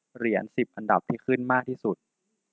เหรียญสิบอันดับที่ขึ้นมากที่สุด